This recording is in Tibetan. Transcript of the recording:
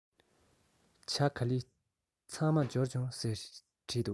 ཇ ག ལི ཚང མ འབྱོར བྱུང